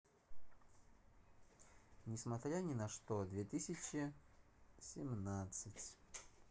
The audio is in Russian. несмотря ни на что две тысячи семнадцать